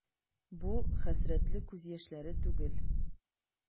Бу хәсрәтле күз яшьләре түгел.